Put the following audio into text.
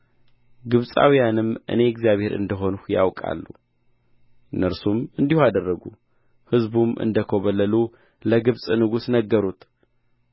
ግብፃውያንም እኔ እግዚአብሔር እንደ ሆንሁ ያውቃሉ እነርሱም እንዲሁ አደረጉ ሕዝቡም እንደ ኰበለሉ ለግብፅ ንጉሥ ነገሩት